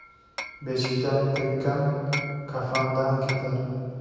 beshikda tekkan kafanda ketar